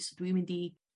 S- dwi mynd i